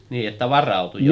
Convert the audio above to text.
niin että varautui jo